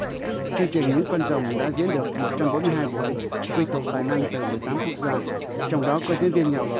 chương trình những con rồng đã diễn được một trăm bốn mươi hai buổi quy tụ tài năng từ mười tám quốc gia trong đó có diễn viên nhào lộn